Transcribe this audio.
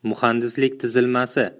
muhandislik tuzilmasi